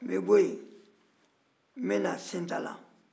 n bɛ bɔ yen n bɛ na sintala